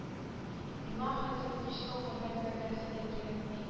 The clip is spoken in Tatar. Миңа хәзер кичкә кадәр бернәрсә дә кирәкми